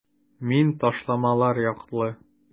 Мин ташламалар яклы.